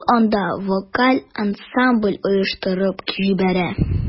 Ул анда вокаль ансамбль оештырып җибәрә.